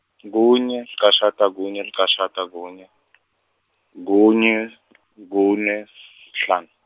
kunye cashata kunye licashata kunye , kunye kune sihlanu.